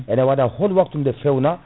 ene waɗa hol waptu nde fewna